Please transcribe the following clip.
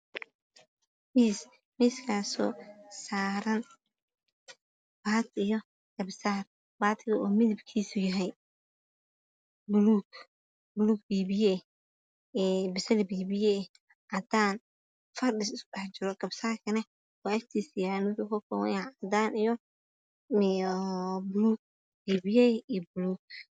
Meeshan waxaa iiga muuqda miisaaran dirac iyo garbasar gar basaarka midabkiisu wadaan diracna waa buluug iyo cadaan isku jira